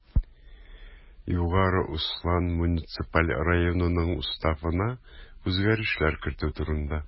Югары Ослан муниципаль районынның Уставына үзгәрешләр кертү турында